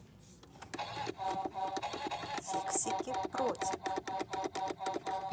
фиксики против